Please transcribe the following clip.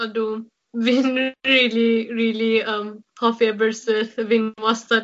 Ydw fi'n rili rili yym hoffi Aberystwyth, fi'n wastad